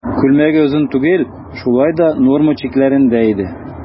Күлмәге озын түгел, шулай да норма чикләрендә иде.